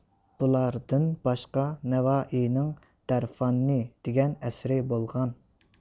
بۇلاردىن باشقا نەۋائىينىڭ دەرفاننى دېگەن ئەسىرى بولغان